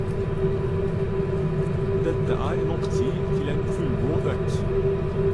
Dette er nok tid til en fullgod økt.